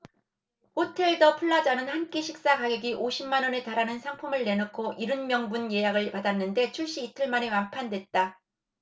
호텔 더 플라자는 한 끼 식사 가격이 오십 만원에 달하는 상품을 내놓고 일흔 명분 예약을 받았는데 출시 이틀 만에 완판됐다